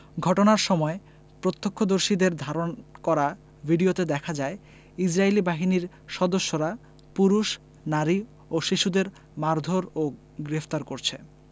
ঘটনার সময় প্রত্যক্ষদর্শীদের ধারণ করা ভিডিওতে দেখা যায় ইসরাইলী বাহিনীর সদস্যরা পুরুষ নারী ও শিশুদের মারধোর ও গ্রেফতার করছে